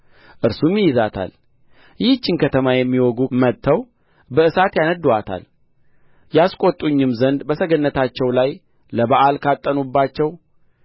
እርሱም ይይዛታል ይህችን ከተማ የሚወጉ ከለዳውያን መጥተው በእሳት ያነድዱአታል ያስቈጡኝም ዘንድ በሰገነታቸው ላይ ለበኣል ካጠኑባቸው